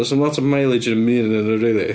Does na ddim lot of mileage yn dim un ohonyn nhw rili.